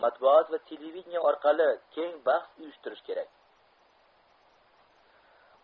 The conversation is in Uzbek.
matbuot va televidenie orqali keng bahs uyushtirish kerak